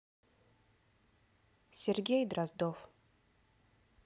сергей дроздов